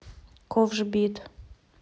ковш бит